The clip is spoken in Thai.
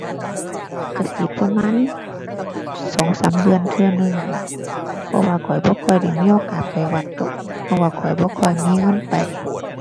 ก็สิประมาณสองสามเดือนเทื่อหนึ่งหั้นล่ะ เพราะว่าข้อยบ่ค่อยได้มีโอกาสไปวัดดอก เพราะว่าข้อยบ่ค่อยมีเงินไป